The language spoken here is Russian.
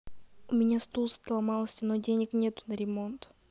у меня стул сломался но денег нету на ремонт